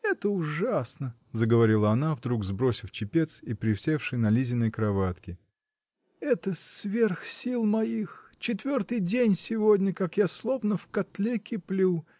Это ужасно, -- заговорила она, вдруг сбросив чепец и присевши на Лизиной кроватке, -- это сверх сил моих: четвертый день сегодня, как я словно в котле киплю